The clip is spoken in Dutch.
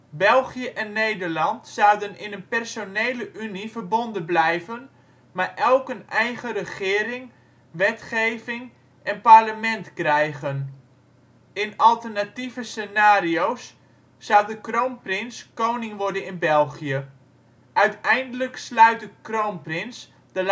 België en Nederland zouden in een personele unie verbonden blijven, maar elk een eigen regering, wetgeving en parlement krijgen. In alternatieve scenario 's zou de kroonprins koning worden in België. Uiteindelijk sluit de kroonprins, de